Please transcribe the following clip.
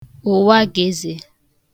ụ̀wageezē